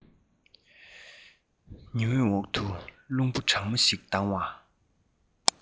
ཉི འོད འོག ཏུ རླུང བུ གྲང མོ ཞིག ལྡང བ